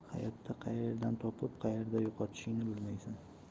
hayotda qayerdan topib qayerda yo'qotishingni bilmaysan